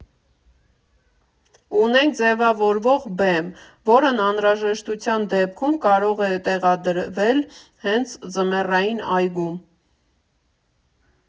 Ունենք ձևափոխվող բեմ, որն անհրաժեշտության դեպքում կարող է տեղադրվել հենց ձմեռային այգում։